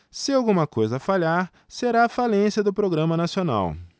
se alguma coisa falhar será a falência do programa nacional